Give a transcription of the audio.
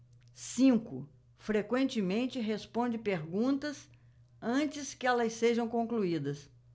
cinco frequentemente responde perguntas antes que elas sejam concluídas